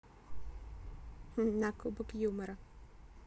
на кубок юмора